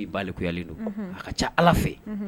A'i baliyalen don a ka ca ala fɛ